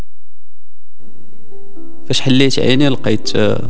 بس حليت عيني لقيت